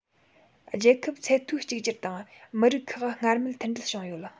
རྒྱལ ཁབ ཚད མཐོའི གཅིག གྱུར དང མི རིགས ཁག སྔར མེད མཐུན སྒྲིལ བྱུང ཡོད